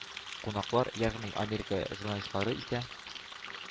Кунаклар, ягъни америка журналистлары исә